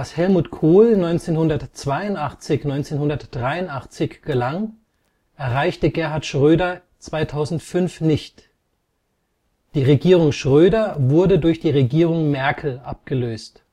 Helmut Kohl 1982 / 83 gelang, erreichte Gerhard Schröder 2005 nicht. Die Regierung Schröder wurde durch die Regierung Merkel abgelöst